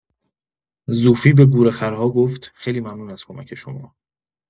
زوفی به گورخرها گفت: خیلی ممنون از کمک شما.